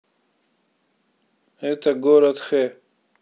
это город х